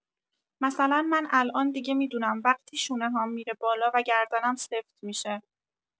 مثلا من الان دیگه می‌دونم وقتی شونه‌هام می‌ره بالا و گردنم سفت می‌شه